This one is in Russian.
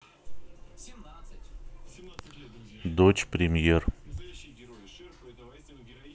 дочь премьер